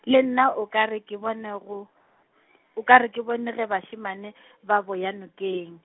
le nna o ka re ke bone go , o ka re ke bone ge bašemane , ba boya nokeng.